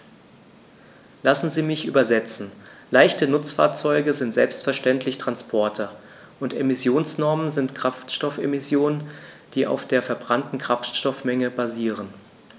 Lassen Sie mich übersetzen: Leichte Nutzfahrzeuge sind selbstverständlich Transporter, und Emissionsnormen sind Kraftstoffemissionen, die auf der verbrannten Kraftstoffmenge basieren.